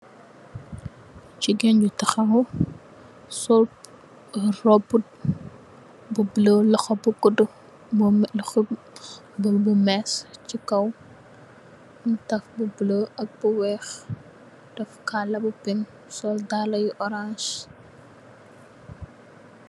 Jigee"n bu tahaw sol robu bu blue loho bu gudu mom mu gudumu taka kala bu orance'.